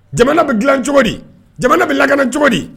Jamana bɛ dilan cogodi jamana bɛ lagana cogo di